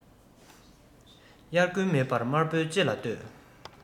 དབྱར དགུན མེད པར དམར པོའི ལྕེ ལ ལྟོས